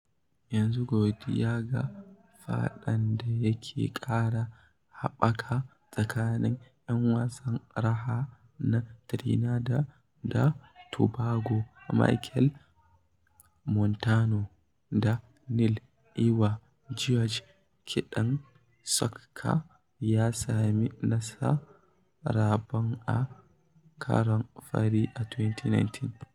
Yanzu, godiya ga faɗan da yake ƙara haɓaka tsakanin 'yan wasan raha na Trinidad da Tobago, Machel Montano da Neil “Iwer” George, kiɗan soca ya sami nasa rabon a karon fari a 2019.